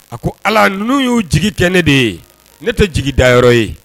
A ko ala n'u y'u jigi tɛ ne de ye ne tɛ jigi dayɔrɔ ye